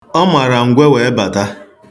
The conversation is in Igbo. Ọ mara ngwe wee bata.